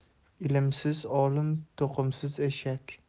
ilmsiz olim to'qimsiz eshak